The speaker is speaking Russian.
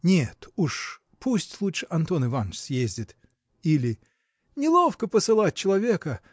Нет, уж пусть лучше Антон Иваныч съездит! Или Неловко послать человека